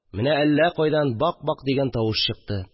Менә әллә кайдан бак-бак дигән тавыш чыкты